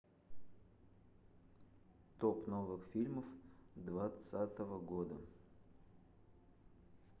топ новых фильмов двадцатого года